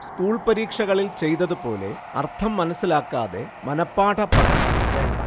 school പരീക്ഷകളിൽ ചെയ്തതുപോലെ അർഥം മനസ്സിലാക്കാതെ മനഃപാഠ പഠനം വേണ്ട